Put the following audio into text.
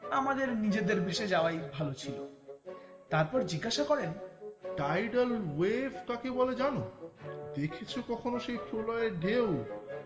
আমাদের নিজেদের ভেসে যাওয়াই ভালো ছিল তারপর জিজ্ঞাসা করেন টাইডাল ওয়েভ কাকে বলে জানো দেখেছো কখনো সে প্রলয়ের ঢেউ